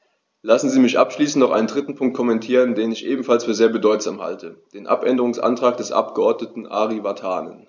Lassen Sie mich abschließend noch einen dritten Punkt kommentieren, den ich ebenfalls für sehr bedeutsam halte: den Abänderungsantrag des Abgeordneten Ari Vatanen.